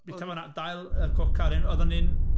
Byta fo'n... dail coca yr hen... oedd o'n un...